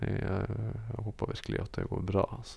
Jeg håper virkelig at det går bra, altså.